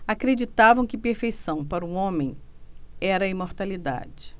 acreditavam que perfeição para o homem era a imortalidade